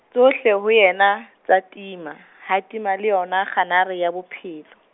tsohle ho yena tsa tima, ha tima le yona kganare ya bophelo.